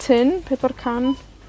tun, pedwar can,